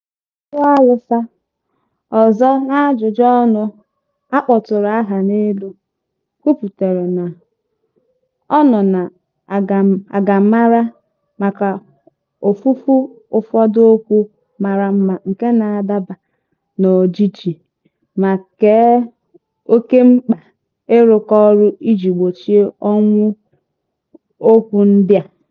Agualusa, ọzọ n'ajụjụọnụ a kpọtụrụ aha n'elu, kwupụtara na "ọ nọ na agammara maka ofufu ụfọdụ okwu mara mma nke na-adapụ n'ojiji" ma kee oke mkpa ịrụkọ ọrụ iji gbochie ọnwụ okwu ndị a".